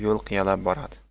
yo'l qiyalab boradi